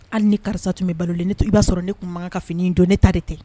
Hali ni karisa tun bɛ balo ne to i b'a sɔrɔ ne tun mankan kan ka fini don ne ta de tɛ